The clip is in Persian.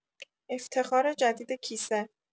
افتخار جدید کیسه